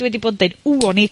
...wedi bo' yn deud ww, o'n i